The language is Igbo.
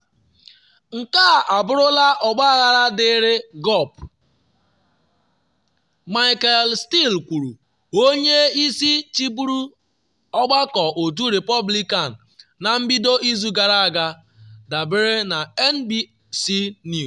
“Nke a abụrụla ọgbaghara dịịrị GOP,” Michael Steele kwuru, onye isi chịburu Ọgbakọ Otu Repọblikan, na mbido izug ara aga, dabere na NBC News.